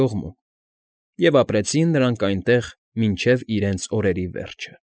Կողմում, և ապրեցին նրանք այնտեղ մինչև իրենց օրերի վերջը։